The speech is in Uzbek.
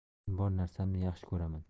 ammo men bor narsamni yaxshi ko'raman